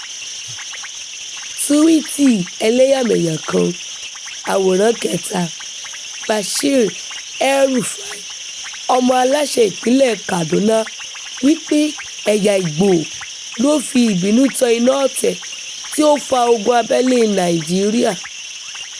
Túwíìtì ẹlẹ́yàmẹyà kan (Àwòrán 3) Bashir El-Rufai, ọmọ Aláṣẹ Ìpínlẹ̀ Kaduna, wí pé ẹ̀yà Igbo ló fi ìbínú tan iná ọ̀tẹ̀ tí ó fa Ogun Abẹ́lée Nàìjíríà.